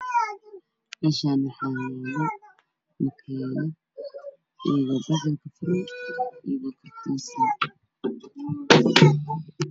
Meshan waxayalo makinad ido bac kujirto io ido bac lahen